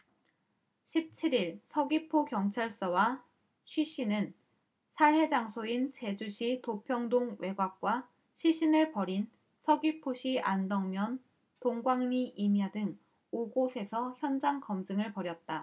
십 칠 일 서귀포경찰서와 쉬씨는 살해 장소인 제주시 도평동 외곽과 시신을 버린 서귀포시 안덕면 동광리 임야 등 오 곳에서 현장검증을 벌였다